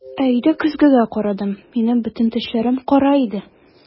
Ә өйдә көзгегә карадым - минем бөтен тешләрем кара иде!